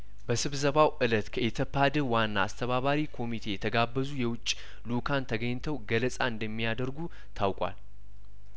በስብሰባው እለት ከኢተፓድህ ዋና አስተባባሪ ኮሚቴ የተጋበዙ የውጭ ልኡካን ተገኝተው ገለጻ እንደሚያደርጉ ታውቋል